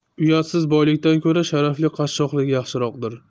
uyatsiz boylikdan ko'ra sharafli qashshoqlik yaxshiroqdir